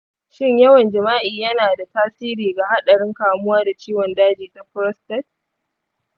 shin yawan jima’i yana da tasiri ga haɗarin kamuwa da ciwon daji ta prostate?